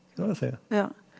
det må jeg si.